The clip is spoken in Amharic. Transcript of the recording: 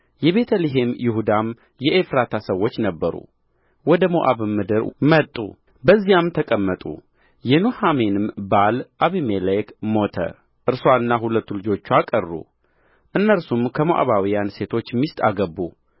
የቤተ ልሔም ይሁዳም የኤፍራታ ሰዎች ነበሩ ወደ ሞዓብም ምድር መጡ በዚያም ተቀመጡ የኑኃሚንም ባል አቤሜሌክ ሞተ እርስዋና ሁለቱ ልጆችዋ ቀሩ እነርሱም ከሞዓባውያን ሴቶች ሚስት አገቡ